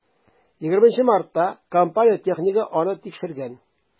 20 мартта компания технигы аны тикшергән.